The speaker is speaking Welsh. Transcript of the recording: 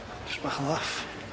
Jys bach o laff.